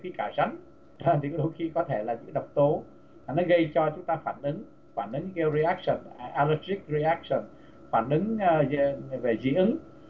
khi cả rắn thờ thì đôi khi có thể là những độc tố nó gây cho chúng ta phản ứng phản ứng hia ri ách sập e rơ chích ri ách sập phản ứng về dị ứng